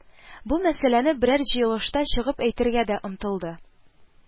Бу мәсьәләне берәр җыелышта чыгып әйтергә дә омтылды